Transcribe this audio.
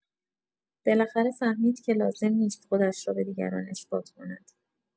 بالاخره فهمید که لازم نیست خودش را به دیگران اثبات کند.